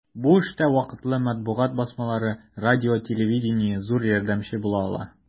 Бу эштә вакытлы матбугат басмалары, радио-телевидение зур ярдәмче була ала.